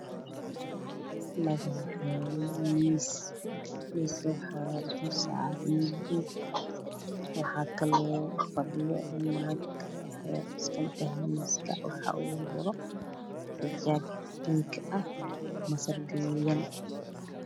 Mashan waxaa yalo mis wax saran buug waxaa fadhiyo gabar waxey wadtaa ijaab kalar kisi waa binki iyo masar gadud ah